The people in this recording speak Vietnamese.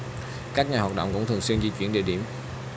các nhà hoạt động cũng thường xuyên di chuyển địa điểm